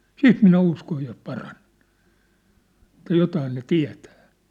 sitten minä uskon jos paranen että jotakin ne tietää